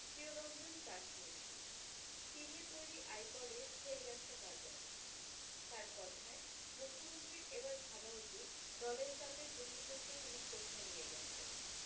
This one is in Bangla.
প্রিয়রঞ্জন দাশমুন্সি চীনে তৈরী আইপডে ছেয়ে গিয়েছে বাজার তার কথায় মুখ্যমন্ত্রীর এবার ভাবা উচিত দলের চাপে প্রশাসনকে তিনি কোথায় নিয়ে গেছেন